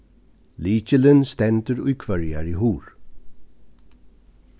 lykilin stendur í hvørjari hurð